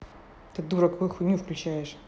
ты дура ты какую хуйню включаешь